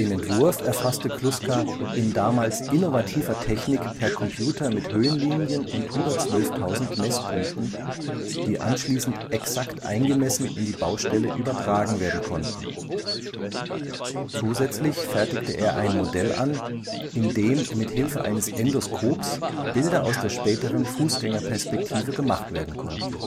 Entwurf erfasste Kluska in damals innovativer Technik per Computer mit Höhenlinien und über 12.000 Messpunkten, die anschließend exakt eingemessen in die Baustelle übertragen werden konnten. Zusätzlich fertigte er ein Modell an, in dem mit Hilfe eines Endoskops Bilder aus der späteren Fußgängerperspektive gemacht werden konnten